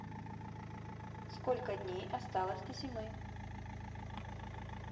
сколько дней осталось до зимы